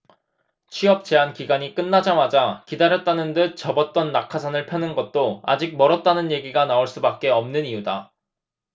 취업제한 기간이 끝나자마자 기다렸다는 듯 접었던 낙하산을 펴는 것도 아직 멀었다는 얘기가 나올 수밖에 없는 이유다